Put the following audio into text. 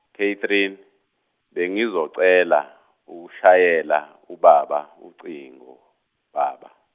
Catherine, bengizocela, ukushayela ubaba ucingo, baba.